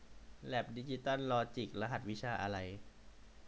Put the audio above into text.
แล็บดิจิตอลลอจิครหัสวิชาอะไร